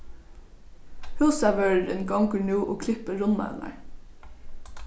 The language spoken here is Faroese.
húsavørðurin gongur nú og klippir runnarnar